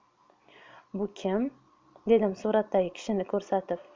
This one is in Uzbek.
bu kim dedim suratdagi kishini ko'rsatib